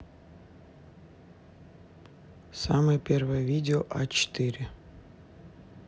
самое первое видео а четыре